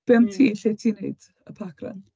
Be am ti? Lle ti'n wneud y park run?